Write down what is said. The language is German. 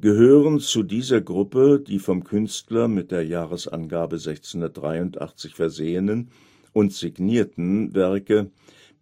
gehören zu dieser Gruppe die vom Künstler mit der Jahresangabe 1683 versehenen und signierten Werke